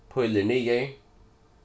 pílur niður